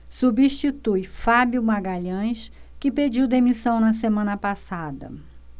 substitui fábio magalhães que pediu demissão na semana passada